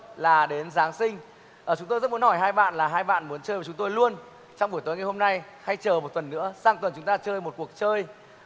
là đến giáng sinh chúng tôi rất muốn hỏi hai bạn là hai bạn muốn chơi với chúng tôi luôn trong buổi tối ngày hôm nay hay chờ một tuần nữa sang tuần chúng ta chơi một cuộc chơi